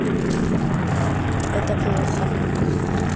это плохо